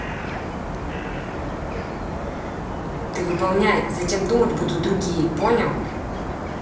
ты выполняй затем думать будут другие понял